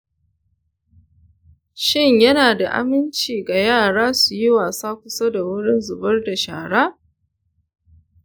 shin yana da aminci ga yara su yi wasa kusa da wurin zubar da shara?